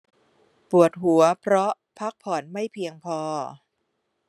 ปวดหัวเพราะพักผ่อนไม่เพียงพอ